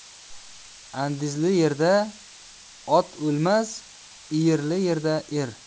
andizli yerda ot o'lmas iyirli yerda er